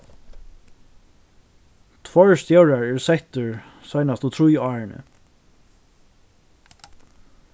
tveir stjórar eru settir seinastu trý árini